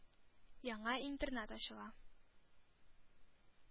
Яңа интернат ачыла,